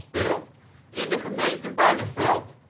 speelt in de Gemeente Barneveld